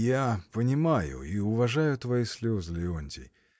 — Я понимаю и уважаю твои слезы, Леонтий!